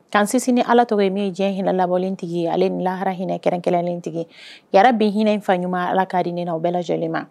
Tan sinsi ala tɔgɔ bɛ yen min ye diɲɛ hinɛ labɔlen tigi ye ale ni lahara hinɛinɛ kɛrɛnkɛlen tigi ya bɛ hinɛinɛ in fa ɲuman ala k'a di ne na aw bɛɛ lajɛlenlen ma